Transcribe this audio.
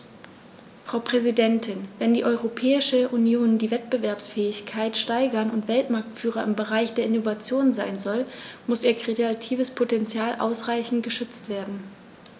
Frau Präsidentin, wenn die Europäische Union die Wettbewerbsfähigkeit steigern und Weltmarktführer im Bereich der Innovation sein soll, muss ihr kreatives Potential ausreichend geschützt werden.